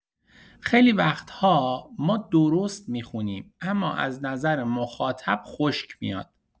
خیلی وقت‌ها ما درست می‌خونیم اما از نظر مخاطب خشک میاد.